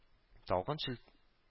Талгын чел